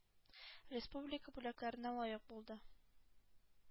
Республика бүләкләренә лаек булды.